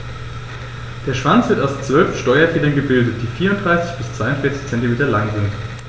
Der Schwanz wird aus 12 Steuerfedern gebildet, die 34 bis 42 cm lang sind.